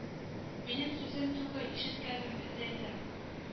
Минем сүзем түгел ишеткәнемне әйтәмен